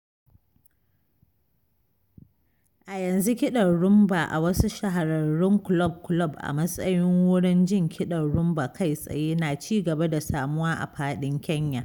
A yanzu kiɗan Rhumba a wasu shahararun kulob-kulob a matsayin wuurin jin kiɗan Rhumba kai-tsaye na ci gaba da samuwa a faɗin Kenya